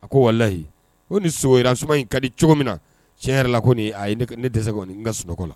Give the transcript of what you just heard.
A ko walahi o ni soyira suma in ka di cogo min na tiɲɛ yɛrɛ la ko ne tɛ se kɔni n ka sunɔgɔ la